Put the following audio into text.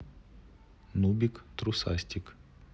нубик трусастик